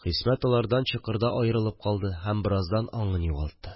Хисмәт алардан чокырда аерылып калды һәм бераздан аңын югалтты